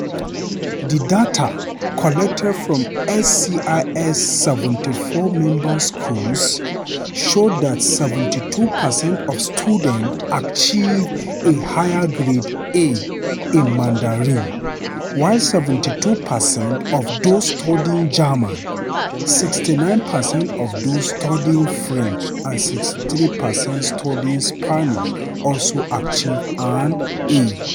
The data, collected from SCIS's 74 member schools, showed that 72 per cent of students achieved a Higher grade A in Mandarin, while 72 per cent of those studying German, 69 per cent of those studying French and 63 per cent studying Spanish also achieved an A.